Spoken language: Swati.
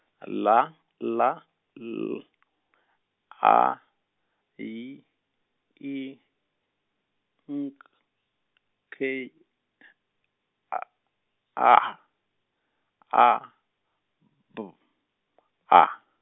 la la L A Y I nk- K H A B A.